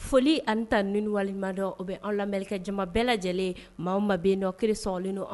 Foli ani ta ni walelimadɔ o bɛ an lamekɛ jama bɛɛ lajɛlen maa ma bɛ nɔ kiiri sɔnlen don